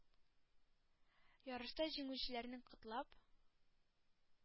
Ярышта җиңүчеләрне котлап,